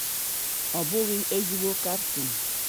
Ọ bụ ezigbo kaptịn.